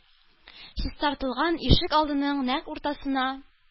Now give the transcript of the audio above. Чистартылган ишек алдының нәкъ уртасына,